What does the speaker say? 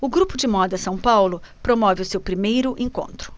o grupo de moda são paulo promove o seu primeiro encontro